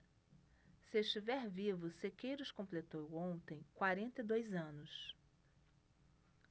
se estiver vivo sequeiros completou ontem quarenta e dois anos